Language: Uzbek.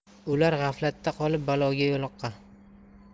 ular g'aflatda qolib baloga yo'liqqan